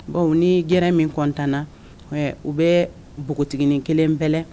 Bon ni gɛrɛ min kɔntan na u bɛ npogotigiini kelen bɛɛlɛ